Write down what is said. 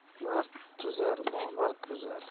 mard tuzar nomard buzar